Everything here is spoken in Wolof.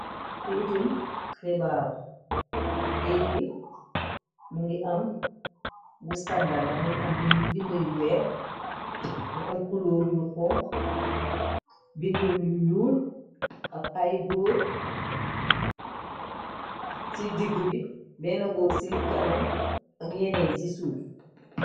Xeytum xebar xayte bi mu ngi am bu standar la mu ngi am bind yu weex mu am kulooru yu xonku bindi yu ñyuul ak ay góor ci diggi bi benn góor ci kanam ak yeney ci suuf.